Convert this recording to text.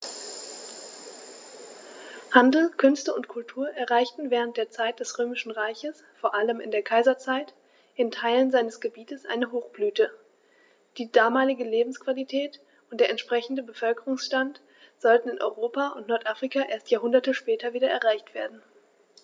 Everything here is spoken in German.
Handel, Künste und Kultur erreichten während der Zeit des Römischen Reiches, vor allem in der Kaiserzeit, in Teilen seines Gebietes eine Hochblüte, die damalige Lebensqualität und der entsprechende Bevölkerungsstand sollten in Europa und Nordafrika erst Jahrhunderte später wieder erreicht werden.